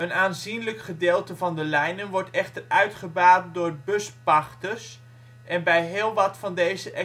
aanzienlijk gedeelte van de lijnen wordt echter uitgebaat door buspachters en bij heel wat van deze